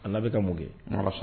A bɛ ka mun kɛ sa